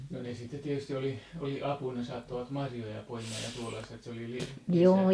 no ne sitten tietysti oli oli apuna saattoivat marjoja poimia ja tuollaista että se oli lisänä